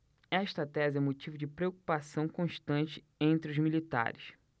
esta tese é motivo de preocupação constante entre os militares